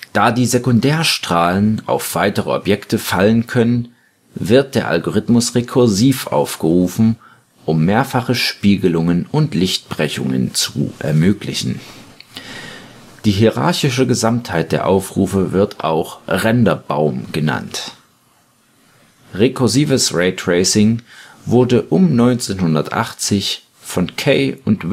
Da die Sekundärstrahlen auf weitere Objekte fallen können, wird der Algorithmus rekursiv aufgerufen, um mehrfache Spiegelungen und Lichtbrechungen zu ermöglichen. Die hierarchische Gesamtheit der Aufrufe wird auch Renderbaum genannt. Rekursives Raytracing wurde um 1980 von Kay und